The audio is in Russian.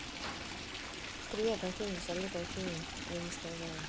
привет афина салют афина я не сказала